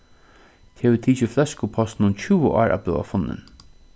tað hevur tikið fløskupostinum tjúgu ár at blíva funnin